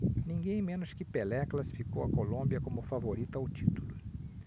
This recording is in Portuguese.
ninguém menos que pelé classificou a colômbia como favorita ao título